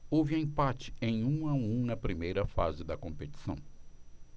houve empate em um a um na primeira fase da competição